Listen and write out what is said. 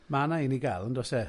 Ma' na un i gael, yn does e?